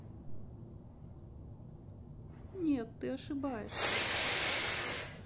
нет ты ошибаешься